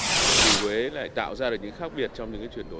thì huế lại tạo ra được những khác biệt trong những cái chuyển đổi